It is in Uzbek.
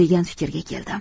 degan fikrga keldim